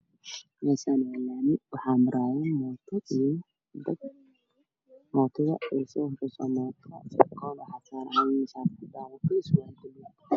Meeshaan waxaa mar ayaa mooto karkeedu yahay gudaha bajaaj fara badan